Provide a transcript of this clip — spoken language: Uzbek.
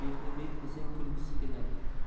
bekni bek desang kulgisi kelar